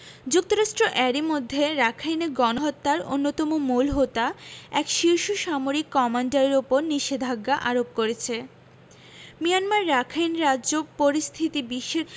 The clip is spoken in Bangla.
যুক্তরাষ্ট্র এরই মধ্যে রাখাইনে গণহত্যার অন্যতম মূল হোতা এক শীর্ষ সামরিক কমান্ডারের ওপর নিষেধাজ্ঞা আরোপ করেছে মিয়ানমার রাখাইন রাজ্য পরিস্থিতি বিশ্বের